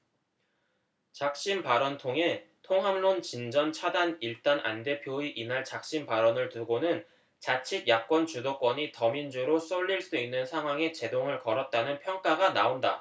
작심발언 통해 통합론 진전 차단 일단 안 대표의 이날 작심발언을 두고는 자칫 야권 주도권이 더민주로 쏠릴 수 있는 상황에 제동을 걸었다는 평가가 나온다